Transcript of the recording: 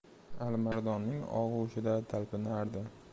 alimardonning og'ushida talpinardi